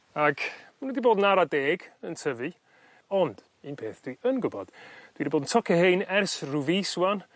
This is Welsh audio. Ag ma' n'w 'di bod yn ara deg yn tyfu ond un peth dwi yn gwbod dwi 'di bod yn tocio 'hein ers rhyw fis rŵan